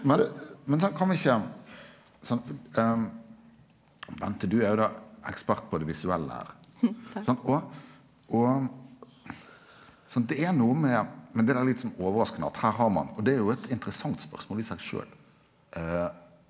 men men sant kan vi ikkje sant Bente du er jo då ekspert på det visuelle her sant og og sant det er noko med med det der litt sånn overraskande at her har ein og det er jo eit interessant spørsmål i seg sjølv .